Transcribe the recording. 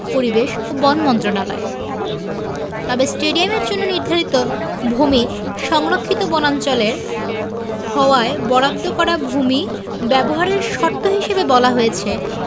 পরিবেশ ও বন মন্ত্রণালয় তবে স্টেডিয়ামের জন্য নির্ধারিত ভূমি সংরক্ষিত বনাঞ্চলের হওয়ায় বরাদ্দ করা ভূমি ব্যবহারের শর্ত হিসেবে বলা হয়েছে